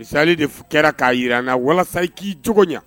Misali de kɛra k'a jira an na walasa i k'i cogo ɲɛ.